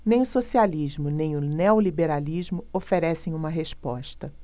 nem o socialismo nem o neoliberalismo oferecem uma resposta